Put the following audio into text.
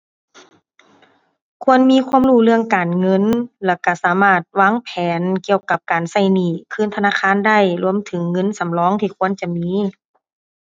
ควรมีความรู้เรื่องการเงิน แล้วก็สามารถวางแผนเกี่ยวกับการก็หนี้คืนธนาคารได้ รวมถึงเงินสำรองที่ควรจะมี